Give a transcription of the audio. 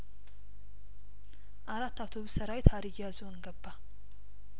አራት አውቶብስ ሰራዊት ሀዲያዞን ገባ